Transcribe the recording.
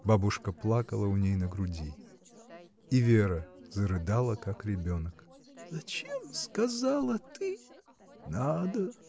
Бабушка плакала у ней на груди. И Вера зарыдала, как ребенок. — Зачем сказала ты. — Надо!